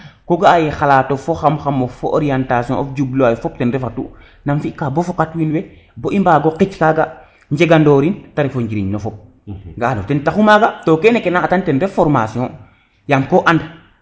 ko ga'aye xalatof fo xam xamof orientation of jubluwayof fop ten refa tu nam fi ka bo fokat wiin we bo i mbago xic kaga njeganorin te refo njiriñof fop ga'ano ten taxu maga to kene kena atan ten refu formation yam ko and